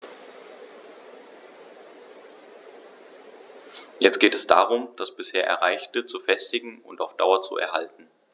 Jetzt geht es darum, das bisher Erreichte zu festigen und auf Dauer zu erhalten.